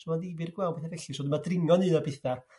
So ma'n ddifyr gwel' betha felly so ma' 'na dringo'n un o betha'